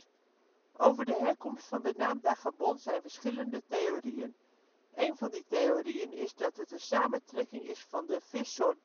Over de herkomst van de naam " Dajabón " zijn verschillende theorieën. Een van die theorieën is dat het een samentrekking is van de vissoort